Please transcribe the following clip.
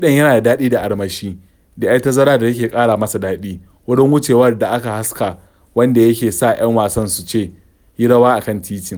Kiɗan yana da daɗi da armashi, da 'yar tazara da take ƙara masa daɗi (wurin wucewar da aka haska wanda yake sa 'yan wasan sun wuce/yi rawa a kan titin).